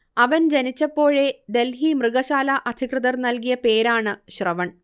അവൻ ജനിച്ചപ്പോഴേ ഡൽഹി മൃഗശാലാ അധികൃതർ നൽകിയ പേരാണ് ശ്രവൺ